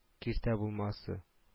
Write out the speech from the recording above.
Киртә булмасы…